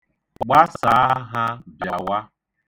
Gbasaa ha, bịawa.